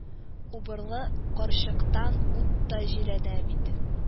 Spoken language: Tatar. – убырлы карчыктан ут та җирәнә бит